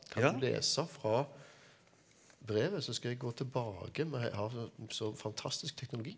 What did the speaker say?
kan du lese fra brevet, så skal jeg gå tilbake vi har jo så fantastisk teknologi.